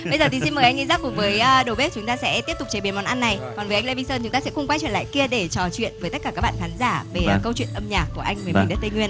bây giờ thì xin mời anh i dắc cùng với đầu bếp chúng ta sẽ tiếp tục chế biến món ăn này còn về anh lê minh sơn chúng ta sẽ cùng quay trở lại kia để trò chuyện với tất cả các bạn khán giả về câu chuyện âm nhạc của anh với miền đất tây nguyên